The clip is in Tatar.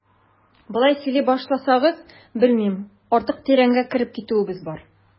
Болай сөйли башласагыз, белмим, артык тирәнгә кереп китүебез бар.